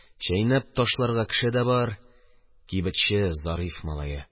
Чәйнәп ташларга кеше дә бар – кибетче Зариф малае.